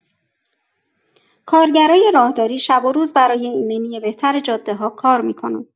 کارگرای راهداری شب و روز برای ایمنی بهتر جاده‌ها کار می‌کنن.